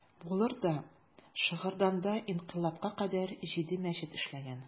Булыр да, Шыгырданда инкыйлабка кадәр җиде мәчет эшләгән.